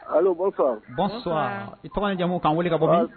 I tɔgɔ jamumu k'an weele ka bɔ